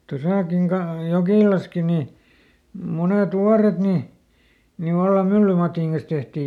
tuossakin - Jokilassakin niin monet vuoret niin niin vallan myllymatin kanssa tehtiin